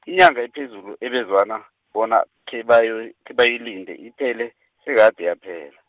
inyanga ephezulu ebezwana, bona, khebayo- khebayilinde, iphele, sekade yaphela.